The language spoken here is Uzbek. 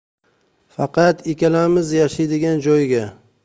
faqat ikkalamiz yashaydigan joyga